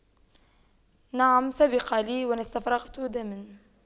نعم سبق لي وأن استفرغت دما